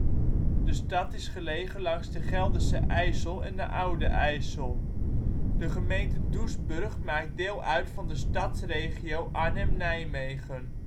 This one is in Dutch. gelegen langs de Gelderse IJssel en de Oude IJssel. De gemeente Doesburg maakt deel uit van de Stadsregio Arnhem-Nijmegen